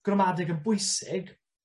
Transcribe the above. gramadeg yn bwysig